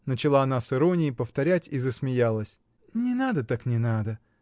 — начала она с иронией повторять и засмеялась. — Не надо, так не надо!